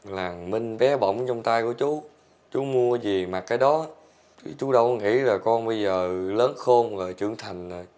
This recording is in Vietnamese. là thằng minh bé bỏng trong tay của chú chú mua gì mặc cái đó chứ chú đâu có nghĩ là con bây giờ lớn khôn rồi trưởng thành rồi